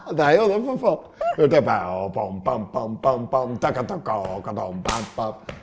det er jo det for faen .